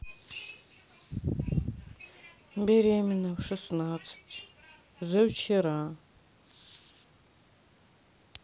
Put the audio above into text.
беременна в шестнадцать за вчера